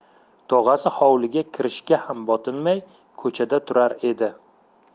tog'asi hovliga kirishga ham botinmay ko'chada turar edi